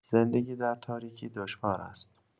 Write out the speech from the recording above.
زندگی در تاریکی دشوار است.